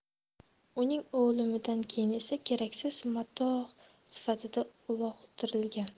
uning o'limidan keyin esa keraksiz matoh sifatida uloqtirilgan